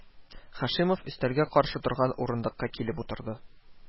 Һашимов өстәлгә каршы торган урындыкка килеп утырды